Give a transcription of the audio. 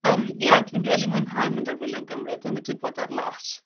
Yym, ie dwi'n rili mwynhau mynd ar wyliau yn Gymru, dan ni 'di bod ar lot.